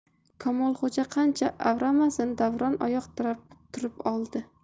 kamolxo'ja qancha avramasin davron oyoq tirab turib oldi